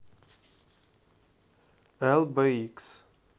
эл бэ икс